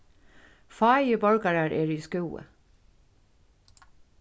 fáir borgarar eru í skúvoy